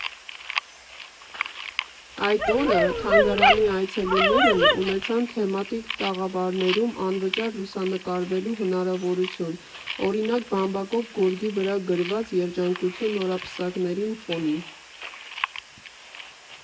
Այդ օրը թանգարանի այցելուներն ունեցան թեմատիկ տաղավարներում անվճար լուսանկարվելու հնարավորություն (օրինակ՝ բամբակով գորգի վրա գրված «Երջանկություն նորապսակներին» ֆոնին)։